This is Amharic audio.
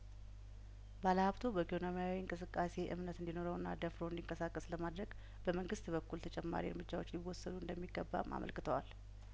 ባለሀብቱ በኢኮኖሚያዊ እንቅስቃሴ እምነት እንዲ ኖረውና ደፍሮ እንዲንቀሳቀስ ለማድረግ በመንግስት በኩል ተጨማሪ እርምጃዎች ሊወስዱ እንደሚገባም አመልክተዋል